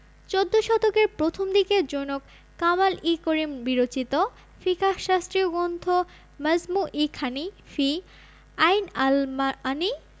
চৌদ্দ শতকের প্রথমদিকে জনৈক কামাল ই করিম বিরচিত ফিকাহ শাস্ত্রীয় গ্রন্থ মাজমু ই খানী ফি আইন আল মাআনী